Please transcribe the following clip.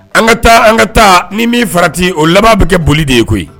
An ka taa an ka taa ni min farati o laban bɛ kɛ boli de ye koyi